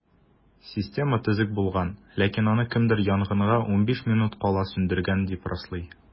Система төзек булган, ләкин аны кемдер янгынга 15 минут кала сүндергән, дип раслый.